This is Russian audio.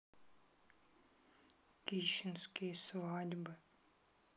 кищинские свадьбы